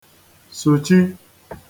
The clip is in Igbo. sùchi